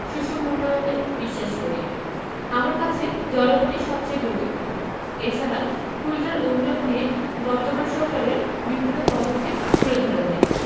সুষম উন্নয়নে বিশ্বাস করি আমার কাছে জনগণই সবচেয়ে গুরুত্বপূর্ণ এছাড়া খুলনার উন্নয়ন নিয়ে বর্তমান সরকারের বিভিন্ন পদক্ষেপ তুলে ধরেন তিনি